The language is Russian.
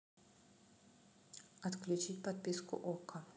отключить подписку окко